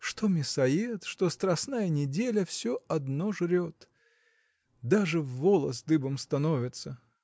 Что мясоед, что страстная неделя – все одно жрет. Даже волос дыбом становится!